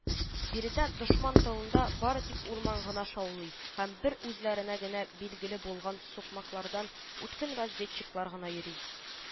Биредә, дошман тылында, бары тик урман гына шаулый һәм бер үзләренә генә билгеле булган сукмаклардан үткен разведчиклар гына йөри